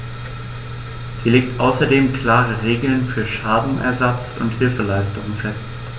Sie legt außerdem klare Regeln für Schadenersatz und Hilfeleistung fest.